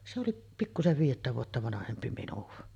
se oli pikkuisen viidettä vuotta vanhempi minua